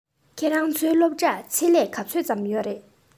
ཁྱོད རང ཚོའི སློབ གྲྭར ཆེད ལས ག ཚོད ཙམ ཡོད ན